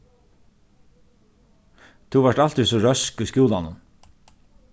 tú vart altíð so røsk í skúlanum